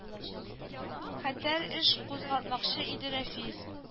Хәтәр эш кузгатмакчы иде рәфис